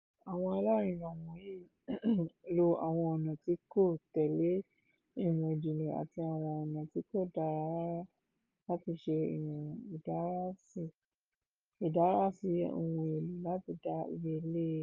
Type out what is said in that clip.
Àwọn alárinnà wọ̀nyìí lo àwọn ọ̀nà tí kò tẹ̀lé ìmọ̀-ìjìnlẹ̀ àti àwọn ọ̀nà tí kò dára rárá láti ṣe ìwọ̀n ìdárasí ohun èlò láti dá iye lé e.